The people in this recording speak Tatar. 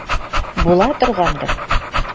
Була торгандыр.